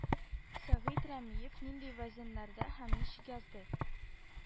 «сәгыйть рәмиев нинди вәзеннәрдә һәм ничек язды»